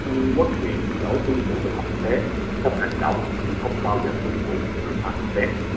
trung quốc miệng nói tuân thủ luật pháp quốc tế nhưng trong hành động không bao giờ tuân thủ luật pháp quốc tế